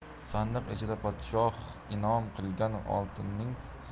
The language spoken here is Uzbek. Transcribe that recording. sandiq ichida podshoh inom qilgan oltinning